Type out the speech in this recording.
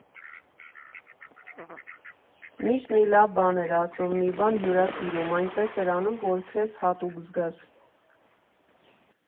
Միշտ մի լավ բան էր ասում, մի բան հյուրասիրում, այնպես էր անում, որ քեզ հատուկ զգաս։